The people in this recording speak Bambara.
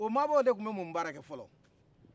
o mabɔ de tun bɛ mun baarakɛ fɔlɔ